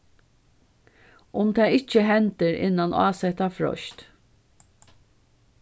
um tað ikki hendir innan ásetta freist